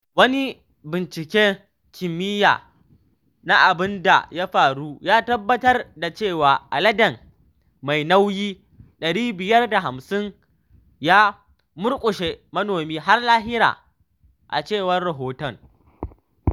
Wani binciken kimiyya na abin da ya faru ya tabbatar da cewa aladen mai nauyi 550 ya murƙushe manomin har lahira, a cewar rahoton.